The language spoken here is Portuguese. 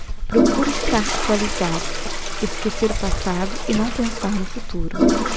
procuro estar atualizado esquecer o passado e não pensar no futuro